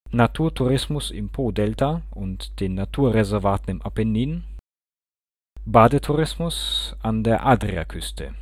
Naturtourismus im Po-Delta und den Naturreservaten im Apennin, Badetourismus an der Adriaküste